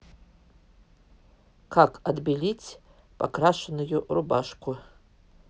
как отбелить покрашенную рубашку